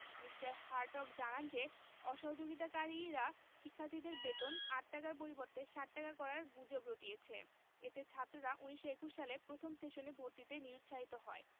Me. Hartog জানান যে অসহযোগিতাকারীরা শিক্ষার্থীদের বেতন ৮ টাকার পরিবর্তে ৬০ টাকা করার গুজব রটিয়েছে এতে ছাত্ররা ১৯২১ সালে প্রথম সেশনে ভর্তিতে নিরুৎসাহিত হয়